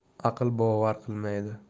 aql bovar qilmaydi